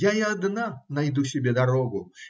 Я и одна найду себе дорогу.